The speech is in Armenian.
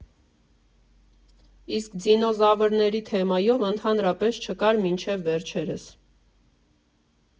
Իսկ դինոզավրերի թեմայով ընդհանրապես չկար մինչև վերջերս։